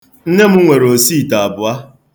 Nne m nwere osiite abụọ.